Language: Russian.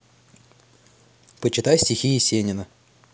почитай стихи есенина